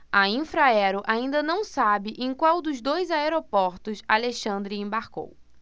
a infraero ainda não sabe em qual dos dois aeroportos alexandre embarcou